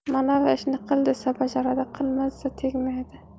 manavi ishni qil desa bajaradi qilma desa tegmaydi